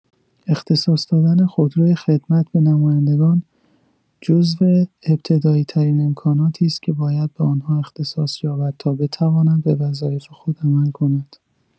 اختصاص دادن خودروی خدمت به نمایندگان، جزو ابتدایی‌ترین امکاناتی است که باید به آنها اختصاص یابد تا بتواند به وظایف خود عمل کنند.